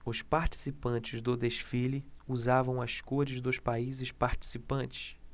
os participantes do desfile usavam as cores dos países participantes